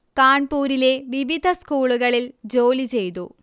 കാൺപൂരിലെ വിവിധ സ്കൂളുകളിൽ ജോലി ചെയ്തു